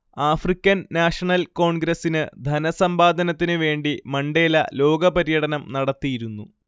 African National കോൺഗ്രസ്സിന് ധനസമ്പാദനത്തിനു വേണ്ടി മണ്ടേല ലോകപര്യടനം നടത്തിയിരുന്നു